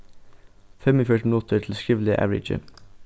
fimmogfjøruti minuttir til skrivliga avrikið